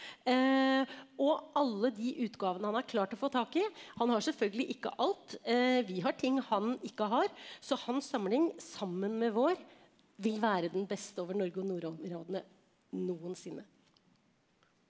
og alle de utgavene han har klart å få tak i, han har selvfølgelig ikke alt vi har ting han ikke har, så hans samling sammen med vår vil være den beste over Norge og nordområdene noensinne.